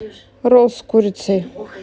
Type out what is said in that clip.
ролл с курицей